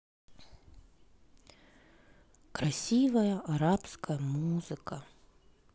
красивая арабская музыка